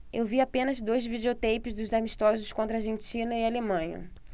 eu vi apenas dois videoteipes dos amistosos contra argentina e alemanha